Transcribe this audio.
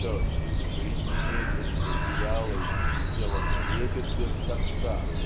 что "из жизни медленной и вялой сделал трепет без конца"